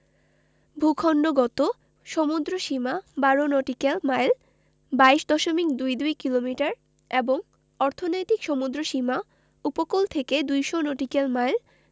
ভূখন্ডগত সমুদ্রসীমা ১২ nautical mile ২২ দশমিক দুই দুই কিলোমিটার এবং অর্থনৈতিক সমুদ্রসীমা উপকূল থেকে ২০০ নটিক্যাল মাইল